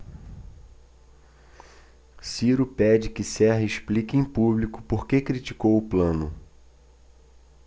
ciro pede que serra explique em público por que criticou plano